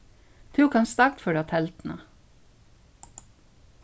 tú kanst dagføra telduna